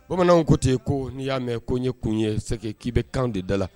Bamananw ko ten yen ko n'i y'a mɛn ko n ye kun ye sɛgɛ k'i bɛ kan de da la